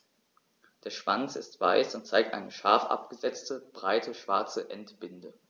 Der Schwanz ist weiß und zeigt eine scharf abgesetzte, breite schwarze Endbinde.